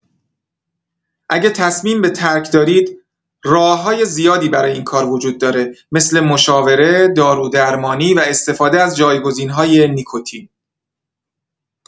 اگه تصمیم به ترک دارید، راه‌های زیادی برای این کار وجود داره مثل مشاوره، دارودرمانی و استفاده از جایگزین‌های نیکوتین.